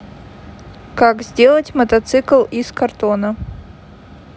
как сделать мотоцикл из картона